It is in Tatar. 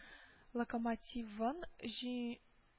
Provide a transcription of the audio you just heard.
Локомотивын җи